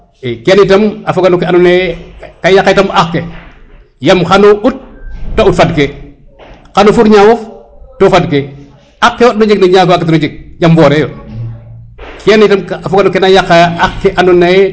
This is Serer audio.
i kene tam a foga no ke ando naye ka yaqa tam ax ke yamn xano utt to a utt fad ke xano for ñawof to fad ke wagatino jeg yaam mbore yo kene a foga no ke na yaqa ax ke ando naye